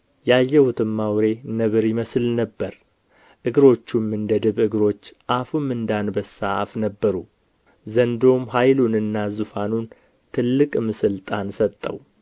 ያየሁትም አውሬ ነብር ይመስል ነበር እግሮቹም እንደ ድብ እግሮች አፉም እንደ አንበሳ አፍ ነበሩ ዘንዶውም ኃይሉንና ዙፋኑን ትልቅም ሥልጣን ሰጠው